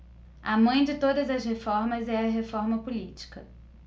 a mãe de todas as reformas é a reforma política